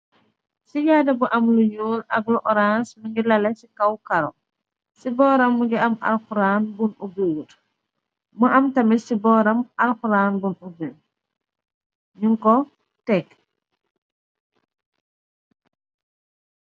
Cijaada bu am lu ñuul ak lu orance mu ngi lalé ci kaw karo. Ci booram mu ngi am al quran bun ubi uut. Mu am tamit ci booram al quran bun ubbi ñuñ ko tegg.